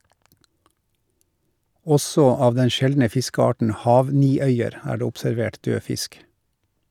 Også av den sjeldne fiskearten "hav-niøyer" er det observert død fisk.